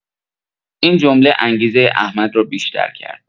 این جمله انگیزۀ احمد را بیشتر کرد.